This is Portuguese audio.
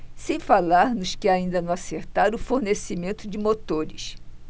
sem falar nos que ainda não acertaram o fornecimento de motores